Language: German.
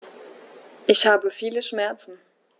Ich habe viele Schmerzen.